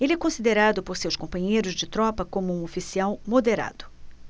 ele é considerado por seus companheiros de tropa como um oficial moderado